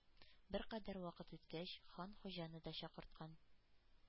Беркадәр вакыт үткәч, хан Хуҗаны да чакырткан